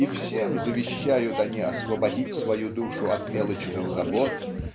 И всем завещают они освободить свою душу от мелочных забот